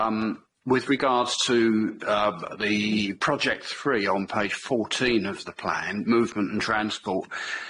Um with regards to uh the project three on page fourteen of the plan, movement and transport.